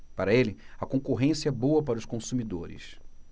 para ele a concorrência é boa para os consumidores